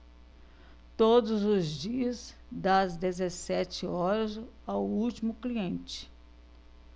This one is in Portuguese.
todos os dias das dezessete horas ao último cliente